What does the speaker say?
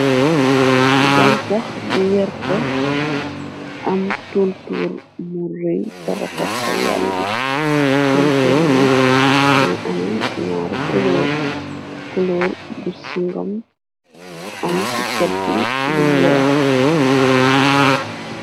Gancax bu werta am tuntuur bu rëy te refet te yañ ji tuntur bi nak mogi am ñaari kulóor bu singom am cat bi lu weex.